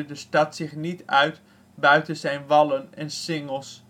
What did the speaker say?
de stad zich niet uit buiten zijn wallen en singels